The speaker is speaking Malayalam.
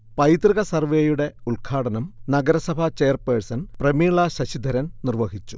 പൈതൃക സർവേയുടെ ഉദ്ഘാടനം നഗരസഭാചെയർപേഴ്സൺ പ്രമീള ശശിധരൻ നിർവഹിച്ചു